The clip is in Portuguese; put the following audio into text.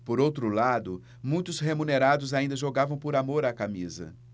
por outro lado muitos remunerados ainda jogavam por amor à camisa